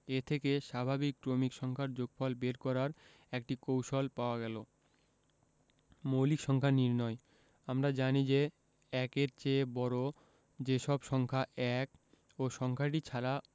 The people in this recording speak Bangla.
এ থেকে স্বাভাবিক ক্রমিক সংখ্যার যোগফল বের করার একটি কৌশল পাওয়া গেল মৌলিক সংখ্যা নির্ণয় আমরা জানি যে ১-এর চেয়ে বড় যে সব সংখ্যা ১ ও সংখ্যাটি ছাড়া